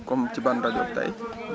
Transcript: comme ci ban rajo tey